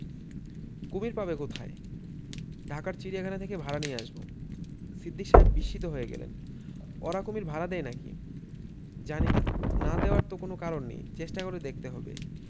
‘কুমীর পাবে কোথায় ঢাকার চিড়িয়াখানা থেকে ভাড়া নিয়ে আসব সিদ্দিক সাহেব বিস্মিত হয়ে বললেন 'ওরা কুমীর ভাড়া দেয় না কি জানি না না দেওয়ার তো কোন কারণ নেই চেষ্টা করে দেখতে হবে